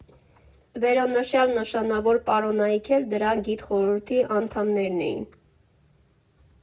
Վերոնշյալ նշանավոր պարոնայք էլ դրա գիտխորհրդի անդամներն էին։